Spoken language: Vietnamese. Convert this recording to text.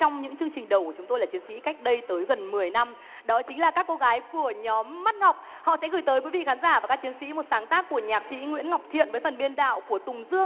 trong những chương trình đầu chúng tôi là chiến sĩ cách đây tới gần mười năm đó chính là các cô gái của nhóm mắt ngọc họ sẽ gửi tới quý vị khán giả và các chiến sĩ một sáng tác của nhạc sĩ nguyễn ngọc thiện với phần biên đạo của tùng dương